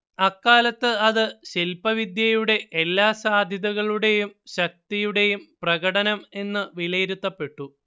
അക്കാലത്ത് അത് ശില്പവിദ്യയുടെ എല്ലാ സാധ്യതകളുടേയും ശക്തിയുടേയും പ്രകടനം എന്ന് വിലയിരുത്തപ്പെട്ടു